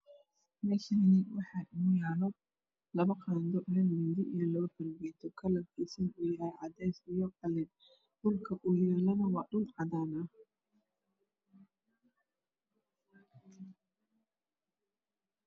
Meshani waxa ino yalo labo qando io mindi io labo fargedo kalarkis ow yahay cades io qalin dhulka oow yalo waa dhul cadan ah